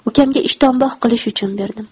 ukamga ishtonbog' qilish uchun berdim